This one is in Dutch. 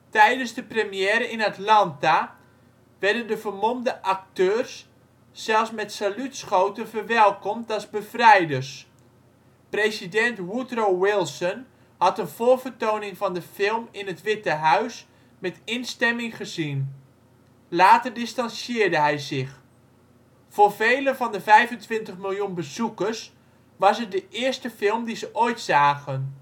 Tijdens de première in Atlanta werden de vermomde acteurs zelfs met saluutschoten verwelkomd als bevrijders. President Woodrow Wilson had een voorvertoning van de film in het Witte Huis met instemming gezien. Later distantiëerde hij zich. Voor velen van de 25 miljoen bezoekers was het de eerste film die ze ooit zagen